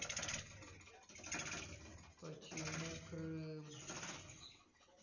почему крым